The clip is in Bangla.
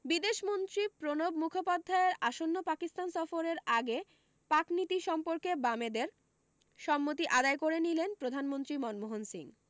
বিদেশমন্ত্রী প্রণব মুখোপাধ্যায়ের আসন্ন পাকিস্তান সফরের আগে পাক নীতি সম্পর্কে বামেদের সম্মতি আদায় করে নিলেন প্রধানমন্ত্রী মনমোহন সিংহ